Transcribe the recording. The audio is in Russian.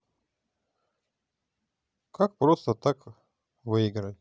как просто так выиграть